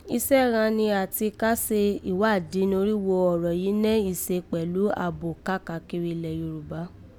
Isẹ́ ghan ni àti ka ṣe ìwádìí norígho ọ̀rọ̀ yìí nẹ́ í se kpẹ̀lú ààbò káàkiri ilẹ̀ Yorùbá